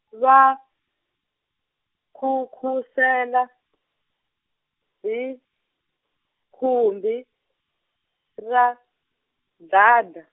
va, nkhunkhusela, hi, khumbi, ra, dladla.